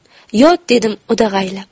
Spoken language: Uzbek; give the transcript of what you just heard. yot dedim o'dag'aylab